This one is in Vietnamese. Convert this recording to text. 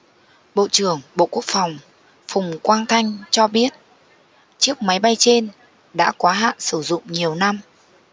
bộ trưởng bộ quốc phòng phùng quang thanh cho biết chiếc máy bay trên đã quá hạn sử dụng nhiều năm